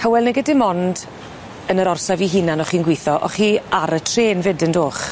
Hywel nege dim ond yn yr orsaf i hunan o'ch chi'n gwitho, o'ch chi ar y trên fyd yn doch?